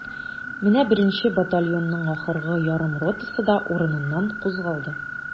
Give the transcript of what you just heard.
Менә беренче батальонның ахыргы ярым ротасы да урыныннан кузгалды.